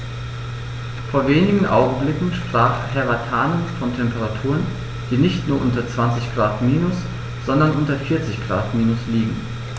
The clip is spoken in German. Vor wenigen Augenblicken sprach Herr Vatanen von Temperaturen, die nicht nur unter 20 Grad minus, sondern unter 40 Grad minus liegen.